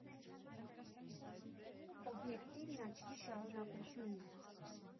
Օբյեկտիվն աչքի շարունակությունն է։